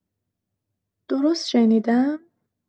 درست شنیدم؟